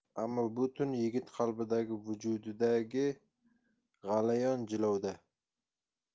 ammo bu tun yigit qalbidagi vujudidagi g'alayon jilovda